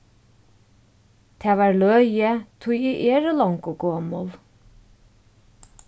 tað var løgið tí eg eri longu gomul